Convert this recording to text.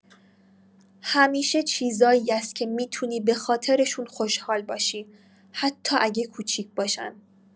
همیشه چیزهایی هست که می‌تونی به خاطرشون خوشحال باشی، حتی اگه کوچیک باشن.